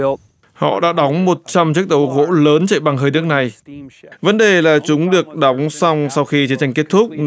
họ đã đóng một trăm chiếc tàu gỗ lớn chạy bằng hơi nước này vấn đề là chúng được đóng xong sau khi chiến tranh kết thúc nên